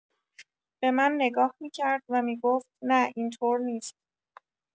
به من نگاه می‌کرد و می‌گفت: نه این‌طور نیست.